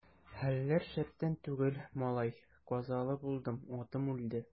Хәлләр шәптән түгел, малай, казалы булдым, атым үлде.